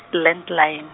land line.